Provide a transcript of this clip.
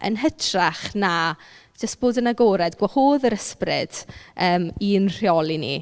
Yn hytrach na jyst bod yn agored, gwahodd yr ysbryd yym i'n rheoli ni.